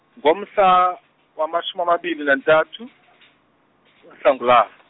ngomhla, wamashumi amabili nantathu, uNhlangula-.